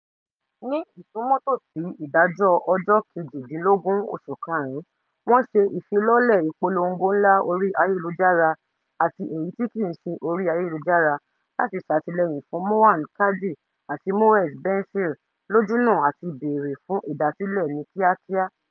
Ní ìsúnmọ́tòòsí ìdájọ́ ọjọ́ 18 oṣù Karùn-ún, wọ́n ṣe ìfilọ́lẹ̀ ìpolongo ńlá orí ayélujára àti èyí tí kìí ṣe orí ayélujára láti ṣàtìlẹ́yìn fún Mohand Kadi àti Moez Benncir lójúnà àti bèèrè fún ìdásílẹ̀ ní kíákíá.